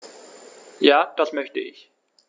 Ja, das möchte ich.